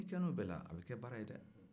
n'i kɛɲɛna o bɛɛ la a bɛ kɛ baara ye dɛ